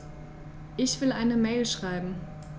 Ich will eine Mail schreiben.